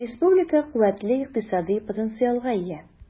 Республика куәтле икътисади потенциалга ия.